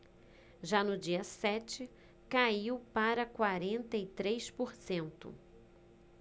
já no dia sete caiu para quarenta e três por cento